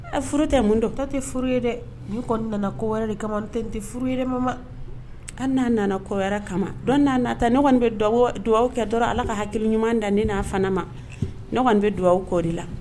Ɛ furu tɛ mun tatɛ furu ye dɛ nin kɔni nana ko wɛrɛ de kama n'o tɛ nin tɛ furu ye dɛ mama, hali n'a nana ko wɛrɛ kama don n'a nataw ne kɔni bɛ dugawu kɛ dɔrɔn Ala ka hakili ɲuman da ne n'a fana ma ne kɔni bɛ dugawu k'o de la